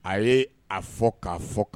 A ye a fɔ k'a fɔ k